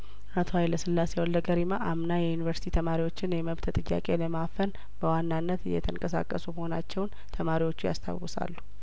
አቶ ሀይለስላሴ ወልደ ገሪማ አምና የዩኒቨርስቲ ተማሪዎችን የመብት ጥያቄ ለማፈን በዋናነት የተንቀሳቀሱ መሆናቸውን ተማሪዎቹ ያስታውሳሉ